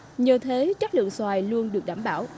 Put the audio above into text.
như thế chất lượng xoài luôn được đảm bảo